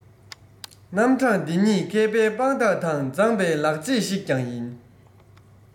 རྣམ གྲངས འདི ཉིད མཁས པའི དཔང རྟགས དང མཛངས པའི ལག རྗེས ཤིག ཀྱང ཡིན